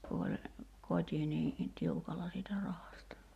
kun oli koti niin tiukalla siitä rahasta